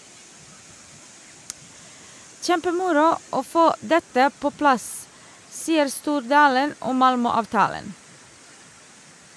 - Kjempemoro å få dette på plass, sier Stordalen om Malmö-avtalen.